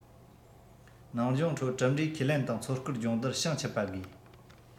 ནང སྦྱོང ཁྲོད གྲུབ འབྲས ཁས ལེན དང མཚོ སྐོར སྦྱོང བརྡར བྱང ཆུབ པ དགོས